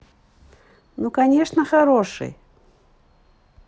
ну конечно хороший